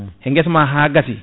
he guessama ha gassi